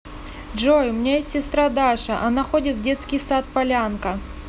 джой у меня есть сестра даша она ходит в детский сад полянка